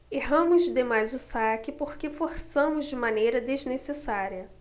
erramos demais o saque porque forçamos de maneira desnecessária